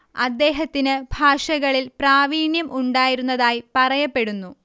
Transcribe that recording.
അദ്ദേഹത്തിന് ഭാഷകളിൽ പ്രാവീണ്യം ഉണ്ടായിരുന്നതായി പറയപ്പെടുന്നു